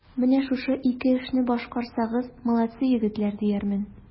Менә шушы ике эшне башкарсагыз, молодцы, егетләр, диярмен.